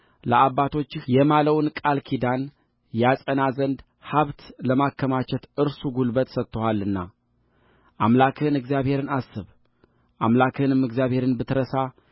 ለአባቶችህ የማለውን ቃል ኪዳን ያጸና ዘንድ ሀብት ለማከማቸት እርሱ ጉልበት ሰጥቶሃልና አምላክህን እግዚአብሔርን አስብአምላክህንም እግዚአብሔርን ብትረሳ